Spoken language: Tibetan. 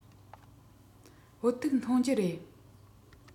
བོད ཐུག འཐུང རྒྱུ རེད